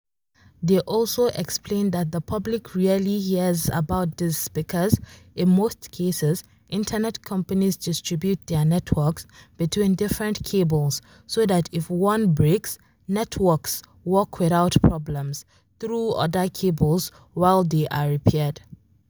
They also explain that the public rarely hears about these because, in most cases, internet companies distribute their networks between different cables so that if one breaks, networks work without problems through other cables while they are repaired.